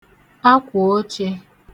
akwòochē